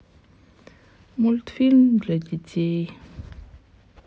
мультфильм для детей